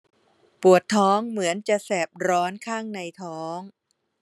ปวดท้องเหมือนจะแสบร้อนข้างในท้อง